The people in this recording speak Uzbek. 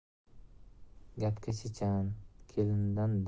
gapga chechan kelindan